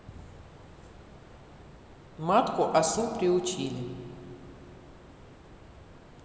матку осу приучили